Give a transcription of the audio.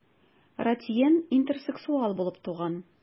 Ратьен интерсексуал булып туган.